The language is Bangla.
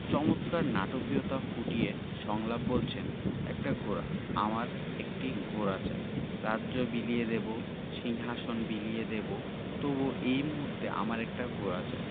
চমৎকার নাটকীয়তা ফুটিয়ে সংলাপ বলছেন একটি ঘোড়া আমার একটি ঘোড়া চাই রাজ্য বিলিয়ে দেবো সিংহাশন বিলিয়ে দেবো তবু এই মুহূর্তে আমার একটি ঘোড়া চাই